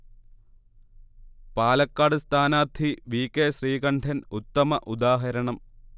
പാലക്കാട് സ്ഥാനാർത്ഥി V. K. Sreekandan ഉത്തമ ഉദാഹരണം